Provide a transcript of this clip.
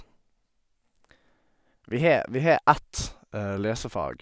vi har Vi har ett lesefag.